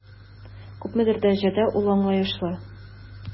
Күпмедер дәрәҗәдә ул аңлаешлы.